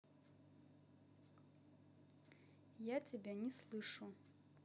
я тебя не слышу